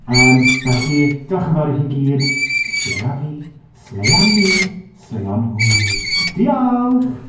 Yym, felly, diolch yn fawr i chi gyd. Sleia fi. Sleian ni. Sleion nhw. Diolch!